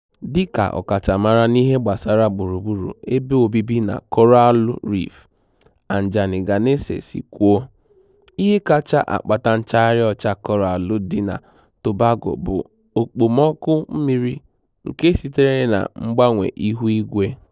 Dịka ọkachamara n'ihe gbasara gburugburu ebe obibi na Koraalụ Reef, Anjani Ganase si kwuo, ihe kacha akpata nchagharị ọcha Koraalụ dị na Tobago bụ okpomọọkụ mmiri— nke sitere na mgbanwe ihuigwe.